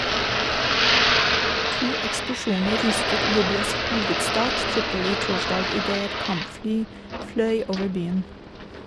To eksplosjoner rystet Libyas hovedstad Tripoli torsdag idet et kampfly fløy over byen.